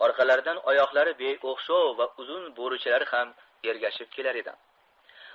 orqalaridan oyoqlari beo'xshov va uzun bo'richalar ham ergashib kelar edi